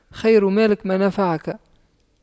خير مالك ما نفعك